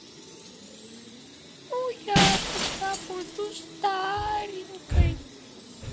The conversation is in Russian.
ну я тогда уже буду старенькой